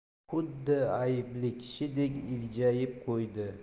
xuddi aybli kishidek iljayib qo'ydi